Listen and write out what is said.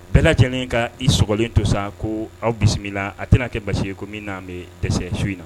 Bɛɛ lajɛlenlen ka i sogolen to sa ko aw bisimila la a tɛna n'a kɛ basi ye ko min n'an bɛ dɛsɛ su in na